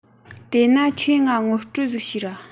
དེས ན ཁྱོས ངའ ངོ སྤྲོད ཟིག བྱོས ར